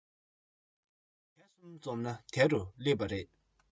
དེ གསུམ འཛོམས ན དེ རུ སླེབས པ རེད